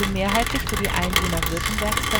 mehrheitlich für die Einwohner Württembergs